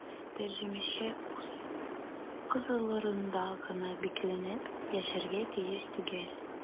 Тәрҗемәче үз кысаларында гына бикләнеп яшәргә тиеш түгел.